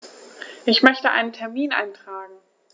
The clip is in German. Ich möchte einen Termin eintragen.